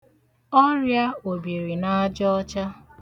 ọrịāòbìrìnaajọcha